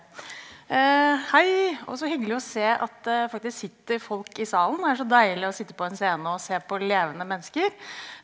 hei og så hyggelig å se at det faktisk sitter folk i salen, det er så deilig å sitte på en scene og se på levende mennesker.